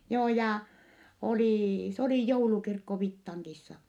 joo ja oli se oli joulukirkko Vittangissa